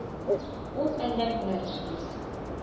Ул әллә ниләр эшли...